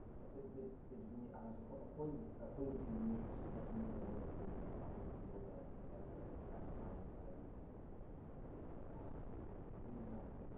So be be be dwi'n mynd i... Achos y pwyn- y pwyn- y pwynt yw nid yr hyd y gerddoriaeth 'na ddim byd fel'na. Y pwynt yw fod e'r... y gerddoriaeth a'r sain yn ... be be 'di interactive?